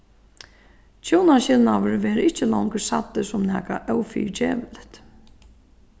hjúnaskilnaður verður ikki longur sæddur sum nakað ófyrigeviligt